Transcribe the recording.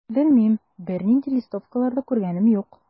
Белмим, бернинди листовкалар да күргәнем юк.